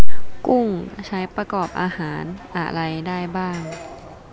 กุ้งใช้ประกอบอาหารอะไรได้บ้าง